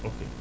ok